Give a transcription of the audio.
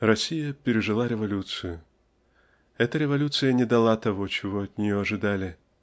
Россия пережила революцию. Эта революция не дала того, чего от нее ожидали.